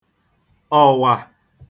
ọ̀wà